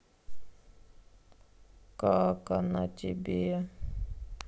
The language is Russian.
как она тебе